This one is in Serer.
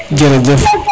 jerejef